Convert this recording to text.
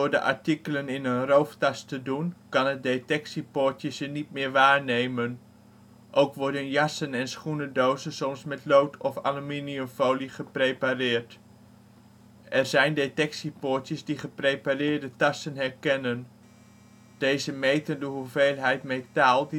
de artikelen in een rooftas te doen, kan het detectiepoortje ze niet meer waarnemen. Ook worden jassen en schoenendozen soms met lood of aluminiumfolie geprepareerd. Er zijn detectiepoortjes die geprepareerde tassen herkennen. Deze meten de hoeveelheid metaal